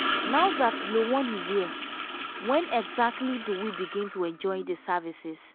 Now that Glo-1 is here, when exactly do we begin to enjoy the services?